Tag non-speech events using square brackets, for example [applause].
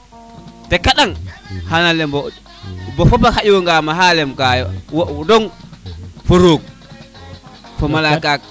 [music] te kaɗang xana leɓo bo fopa xaƴo gama xa lem kayo wo dong fo roog fo malaka